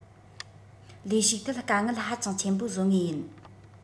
ལས ཞུགས ཐད དཀའ ངལ ཧ ཅང ཆེན པོ བཟོ ངེས ཡིན